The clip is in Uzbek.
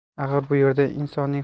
axir bu yerda insonning